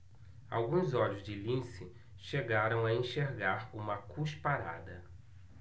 alguns olhos de lince chegaram a enxergar uma cusparada